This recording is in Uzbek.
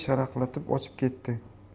sharaqlatib ochib keti